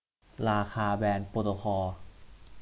ราคาแบรนด์โปรโตคอล